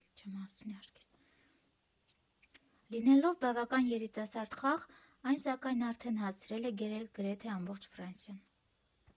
Լինելով բավական երիտասարդ խաղ, այն սակայն արդեն հասցրել է գերել գրեթե ամբողջ Ֆրանսիան։